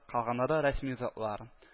Калганнары – рәсми затлар